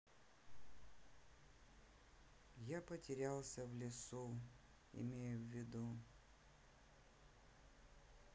я потерялся в лесу имею в виду